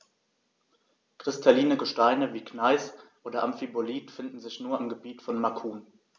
Kristalline Gesteine wie Gneis oder Amphibolit finden sich nur im Gebiet von Macun.